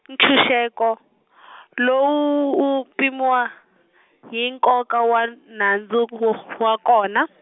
ntshunxeko lowu wu pimiwa, hi nkoka wa n-, nandzu wu wa kona.